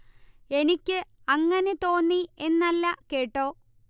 എനിക്ക് അങ്ങനെ തോന്നി എന്നല്ല കേട്ടോ